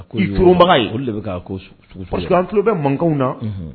I . Olu de bɛ k'a ko sugusugu. Parce que an tulo bɛ mankanw na. Unhun!